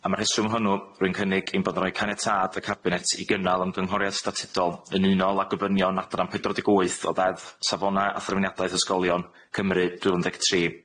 Am y rheswm hwnnw, rwy'n cynnig ein bod yn rhoi caniatâd y cabinet i gynnal ymgynghoriad statudol yn unol â gofynion Adran pedwar deg wyth o Ddeddf Safona' a Threfniadaeth Ysgolion Cymru dwy fil un deg tri.